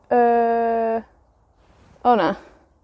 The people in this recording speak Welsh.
yy, o na,